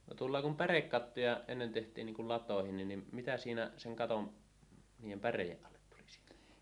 no tuolla lailla kun pärekattoja ennen tehtiin niin kuin latoihinkin niin mitä siinä sen katon niiden päreiden alle tuli siinä